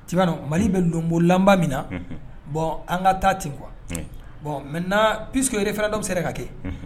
Ti mali bɛ donbonlanba min na bɔn an ka taa ten kuwa bɔn mɛ n' pssiy fana dɔ bɛ sera ka kɛ